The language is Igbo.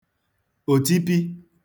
òtipi